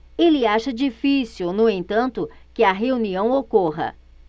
ele acha difícil no entanto que a reunião ocorra